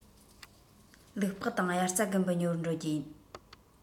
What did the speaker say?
ལུག པགས དང དབྱར རྩྭ དགུན འབུ ཉོ བར འགྲོ རྒྱུ ཡིན